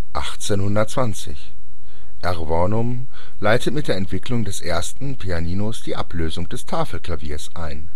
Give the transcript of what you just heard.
1820 – R. Wornum leitet mit der Entwicklung des ersten Pianinos die Ablösung des Tafelklaviers ein